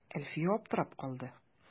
Әлфия аптырап калды.